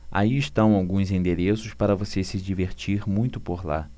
aí estão alguns endereços para você se divertir muito por lá